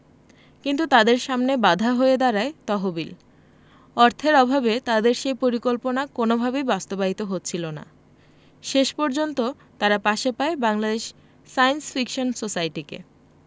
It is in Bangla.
কিন্তু তাদের সামনে বাধা হয়ে দাঁড়ায় তহবিল অর্থের অভাবে তাদের সেই পরিকল্পনা কোনওভাবেই বাস্তবায়িত হচ্ছিল না শেষ পর্যন্ত তারা পাশে পায় বাংলাদেশ সায়েন্স ফিকশন সোসাইটিকে